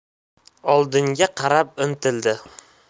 oldinga qarab intildi